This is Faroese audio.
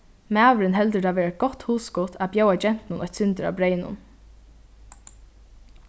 maðurin heldur tað vera eitt gott hugskot at bjóða gentunum eitt sindur av breyðnum